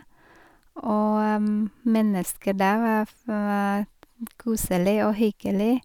Og mennesker der var f var koselig og hyggelig.